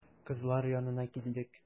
Кызлар янына килдек.